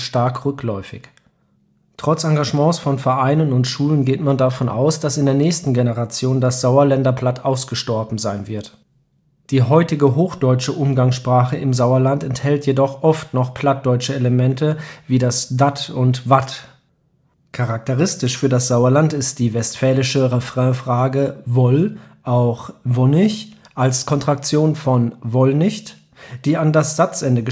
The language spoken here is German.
stark rückläufig. Trotz Engagements von Vereinen und Schulen geht man davon aus, dass in der nächsten Generation das Sauerländer Platt ausgestorben sein wird. Die heutige hochdeutsche Umgangssprache im Sauerland enthält jedoch oft noch plattdeutsche Elemente, wie das „ dat “und „ wat “. Charakteristisch für das Sauerland ist die westfälische Refrainfrage „ woll? “(auch „ wonnich? “als Kontraktion von „ woll nicht? “), die an das Satzende